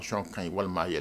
Kasɔn kan walima a yɛrɛ ye